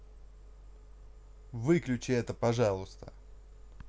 выключи это пожалуйста